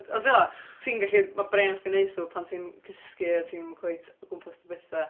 Ond ti'n gwybod, ti'n gallu... Ma' brên chdi'n wneud stwff pan ti'n cysgu a ti'm cweit o gwmpas dy betha.